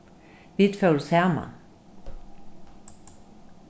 vit fóru saman